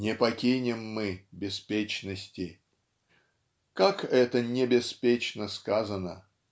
"Не покинем мы беспечности", -- как это небеспечно сказано!